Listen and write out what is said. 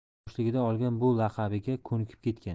yoshligida olgan bu laqabiga ko'nikib ketgan